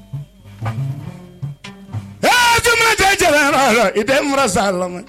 Jɛ i tɛ sa la